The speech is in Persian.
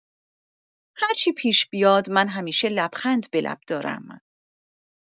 هرچی پیش بیاد، من همیشه لبخند به لب دارم.